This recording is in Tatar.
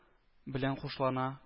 Белән хушлана